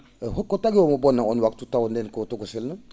hokoo tagi omo bonna oon waktu tawa ndeen ko tokosel ne